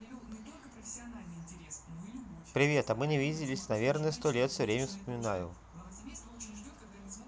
привет а мы не виделись наверное сто лет все время вспоминаю